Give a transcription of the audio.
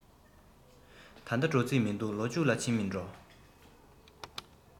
ད ལྟ འགྲོ རྩིས མི འདུག ལོ མཇུག ལ ཕྱིན མིན འགྲོ